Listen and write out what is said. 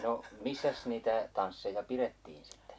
no missäs niitä tansseja pidettiin sitten